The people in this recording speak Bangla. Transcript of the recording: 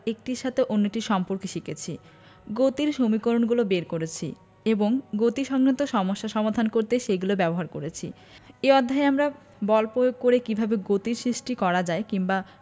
একটির সাথে অন্যটির সম্পর্ক শিখেছি গতির সমীকরণগুলো বের করেছি এবং গতিসংক্রান্ত সমস্যা সমাধান করতে সেগুলো ব্যবহার করেছি এই অধ্যায়ে আমরা বল পয়োগ করে কীভাবে গতির সৃষ্টি করা যায় কিংবা